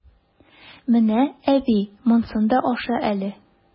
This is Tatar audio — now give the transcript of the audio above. Менә, әби, монсын да аша әле!